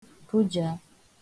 kụjàa